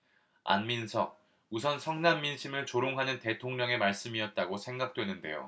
안민석 우선 성난 민심을 조롱하는 대통령의 말씀이었다고 생각 되는데요